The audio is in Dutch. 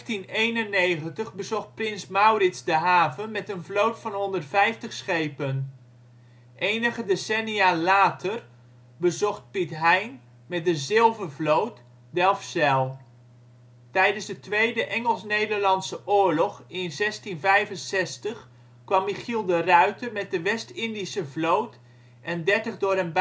In 1591 bezocht prins Prins Maurits de haven met een vloot van 150 schepen. Enige decennia later bezocht Piet Hein met de " Zilvervloot " Delfzijl. Tijdens de Tweede Engels-Nederlandse Oorlog in 1665 kwam Michiel de Ruyter met de West-Indische vloot en dertig door